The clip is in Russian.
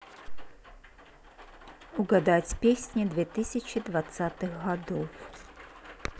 угадать песни две тысячи двадцатых годов